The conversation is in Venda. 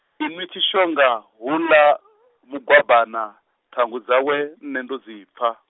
inwi Tshishonga, houḽa , Mugwabana ṱhangu dzawe, nṋe ndo dzi pfa.